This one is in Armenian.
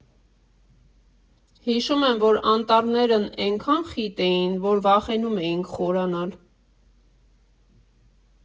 Հիշում եմ, որ անտառներն էնքան խիտ էին, որ վախենում էինք խորանալ։